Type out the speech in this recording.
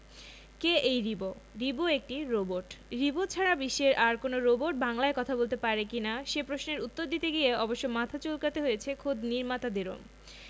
কে এই রিবো রিবো একটা রোবট রিবো ছাড়া বিশ্বের আর কোনো রোবট বাংলায় কথা বলতে পারে কি না সে প্রশ্নের উত্তর দিতে গিয়ে অবশ্য মাথা চুলকাতে হয়েছে খোদ নির্মাতাদেরও